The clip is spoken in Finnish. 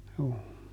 juu